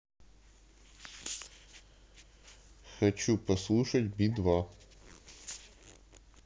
хочу послушать би два